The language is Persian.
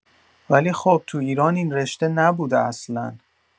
ولی خب تو ایران این رشته نبوده اصلا